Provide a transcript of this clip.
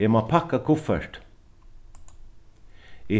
eg má pakka kuffertið